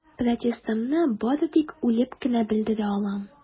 Протестымны бары тик үлеп кенә белдерә алам.